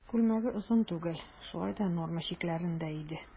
Күлмәге озын түгел, шулай да норма чикләрендә иде.